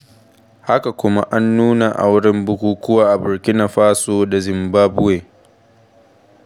Haka kuma, an nuna a wurin bukukuwa a Burkina Faso da Zimbabwe.